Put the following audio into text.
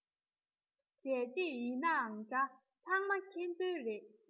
ནོར ནའང འདྲ འགྲིག ནའང འདྲ